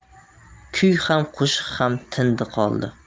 kuy ham qo'shiq ham tindi qoldi